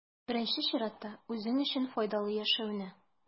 Беренче чиратта, үзең өчен файдалы яшәүне.